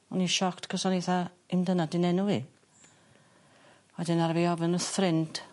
o'n i'n shocked 'c'os o'n eitha dim dynod 'di'n enw i. Wedyn aru fi ofyn w'th ffrind